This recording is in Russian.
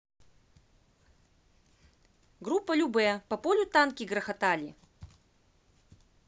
группа любэ по полю танки грохотали